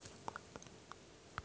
привет привет скажи мне что такое